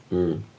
Mm.